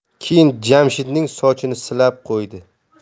keyin jamshidning sochini silab qo'ydi